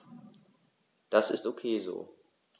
Das ist ok so.